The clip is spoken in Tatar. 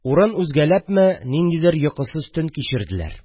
Урын үзгәләпме, ниндидер йокысыз төн кичерделәр